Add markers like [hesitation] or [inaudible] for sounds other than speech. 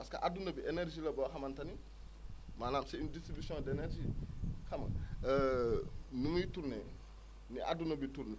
parce que adduna bi énergie la boo xamante ni maanaam c' est une distribution d' énergie [noise] xam nga [hesitation] nu muy tourner ni adduna biy tourner